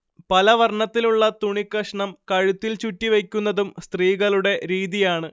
പലവർണ്ണത്തിലുള്ള തുണികഷ്ണം കഴുത്തിൽ ചുറ്റി വെക്കുന്നതും സ്ത്രീകളുടെ രീതിയാണ്